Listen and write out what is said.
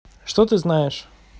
что ты еще знаешь